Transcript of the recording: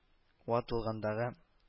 Ватылгандагы